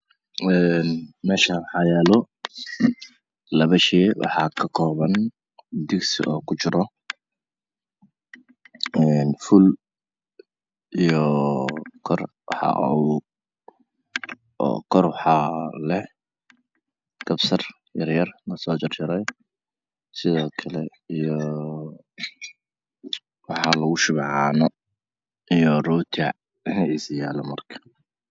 Meshaan waxaa yaalo laba shey waxayna ka kobanyihiin digsi oo ku jiro fuul waxa kor logu darey kamsar lasoo jarjarey iyo waxaa lagu shubay caano iyoo rooti dhinaciisa yaalo